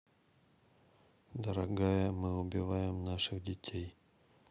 дорогая мы убиваем наших детей